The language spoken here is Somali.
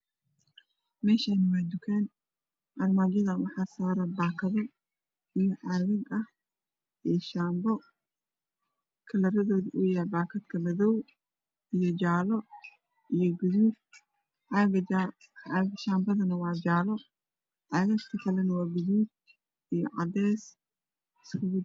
Meshan waa dukan armajadan waxaa saran bakado iyo cagaag iyo shambo midabadoodu waa bakad madow iyo jalo iyo gaduud caga shambadana waa jalo cagaaga kalana waa gaduud iyo cadeea iskugu jiran